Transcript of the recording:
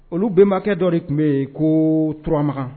Olu bɛmakɛ dɔ de tun bɛ yen ko turamakan